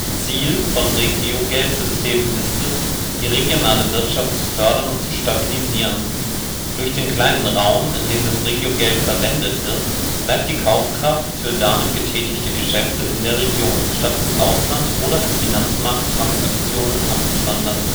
Ziel von Regiogeldsystemen ist es, die regionale Wirtschaft zu fördern und zu stabilisieren. Durch den kleinen Raum, in dem das Regiogeld verwendet wird, bleibt die Kaufkraft für damit getätigte Geschäfte in der Region, statt ins Ausland oder in Finanzmarkttransaktionen abzuwandern